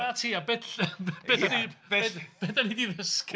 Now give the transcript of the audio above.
'Na ti, a be be di'r, be be dan ni 'di ddysgu ?